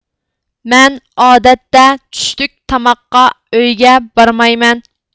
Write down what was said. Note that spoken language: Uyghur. مەن ئادەتتە چۈشلۈك تاماققا ئۆيگە بارمايمەن